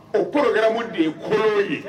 O programme de ye koloon ye